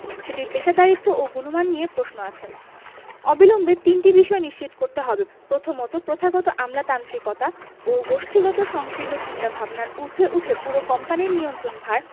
সেটির পেশাদারিত্ব ও গুণমান নিয়ে প্রশ্ন আছে অবিলম্বে তিনটি বিষয় নিশ্চিত করতে হবে প্রথমত প্রথাগত আমলাতান্ত্রিকতা ও গোষ্ঠীগত সংকীর্ণ চিন্তাভাবনার ঊর্ধ্বে উঠে পুরো কোম্পানির নিয়ন্ত্রণভার